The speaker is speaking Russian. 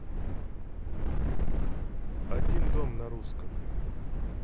один дом на русском